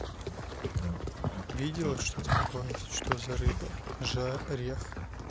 видела что такое что за рыба жерех